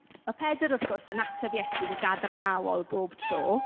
Ma' Pedr, wrth gwrs, yn ateb Iesu'n gadarnhaol bob tro.